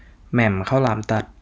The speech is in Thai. แหม่มข้าวหลามตัด